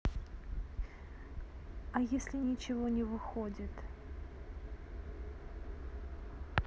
а если ничего не выходит